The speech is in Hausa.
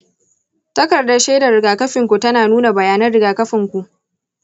takardar shaidar rigakafin ku tana nuna bayanan rigakafin ku.